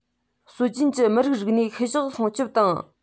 སྲོལ རྒྱུན གྱི མི རིགས རིག གནས ཤུལ བཞག སྲུང སྐྱོང དང